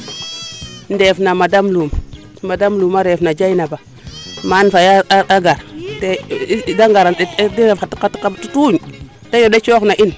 ndeef na Madame Loume mademe loume a reef na Dieynaba Mane Faye a gar de ngar a ndef a tiq xa teɓ xa tutuñ te yonda coox na in